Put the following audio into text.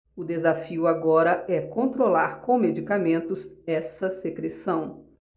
o desafio agora é controlar com medicamentos essa secreção